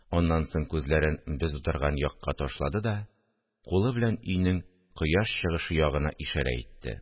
Аннан соң күзләрен без утырган якка ташлады да кулы белән өйнең кояш чыгышы ягына ишарә итте